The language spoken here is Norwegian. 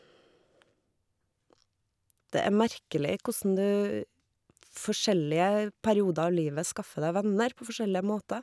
Det er merkelig kossen du forskjellige perioder av livet skaffer deg venner på forskjellige måter.